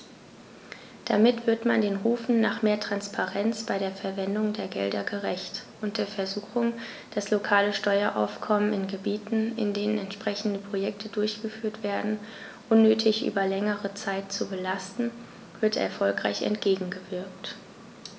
Damit wird man den Rufen nach mehr Transparenz bei der Verwendung der Gelder gerecht, und der Versuchung, das lokale Steueraufkommen in Gebieten, in denen entsprechende Projekte durchgeführt werden, unnötig über längere Zeit zu belasten, wird erfolgreich entgegengewirkt.